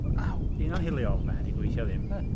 Aw!... 'Di hynna'n hiliol? Na 'di, gobeithio ddim.